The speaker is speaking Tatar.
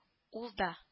Ул да